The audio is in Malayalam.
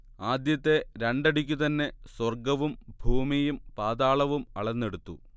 ആദ്യത്തെ രണ്ടടിക്കു തന്നെ സ്വർഗ്ഗവും ഭൂമിയും പാതാളവും അളന്നെടുത്തു